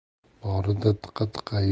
borida tiqa tiqa